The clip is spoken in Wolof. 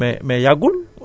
mi ngi gën di jafe-jafe